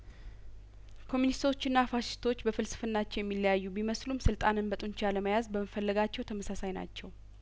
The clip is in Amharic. ኮሚዩኒ ስቶችና ፋሽስቶች በፍልስፍ ናቸው የሚለያዩ ቢመስሉም ስልጣንን በጡንቻ ለመያዝ በመፈለጋቸው ተመሳሳይ ናቸው